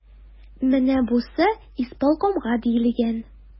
Менә бусы исполкомга диелгән.